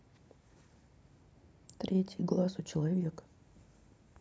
третий глаз у человека